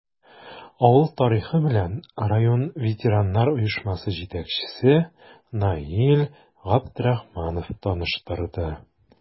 Авыл тарихы белән район ветераннар оешмасы җитәкчесе Наил Габдрахманов таныштырды.